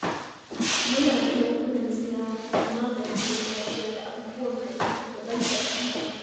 Muna da yankunan ziyara da maganin gargajiya da abubuwan halittu daban-daban a dajin.